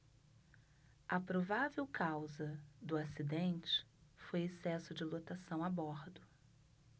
a provável causa do acidente foi excesso de lotação a bordo